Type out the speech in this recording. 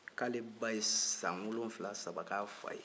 k'ale ba ye san wolonfila saba k'a fa ye